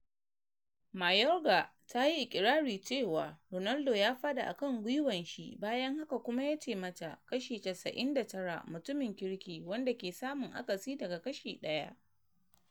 Mayorga tayi ikirari cewa Ronaldo ya faɗi akan gwiwan shi bayan hakan kuma ya ce mata “kashi 99” “mutumin kirki” wanda ke samun akasi daga “kashi ɗaya”.